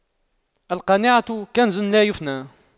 القناعة كنز لا يفنى